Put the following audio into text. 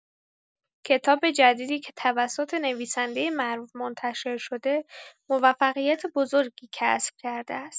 کتاب جدیدی که توسط نویسنده معروف منتشر شده، موفقیت بزرگی کسب کرده است.